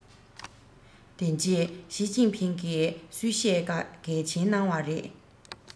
དེ རྗེས ཞིས ཅིན ཕིང གིས གསུང བཤད གལ ཆེན གནང བ རེད